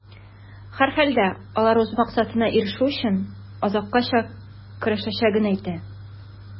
Һәрхәлдә, алар үз максатларына ирешү өчен, азаккача көрәшәчәген әйтә.